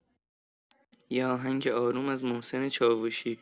یه آهنگ آروم از محسن چاوشی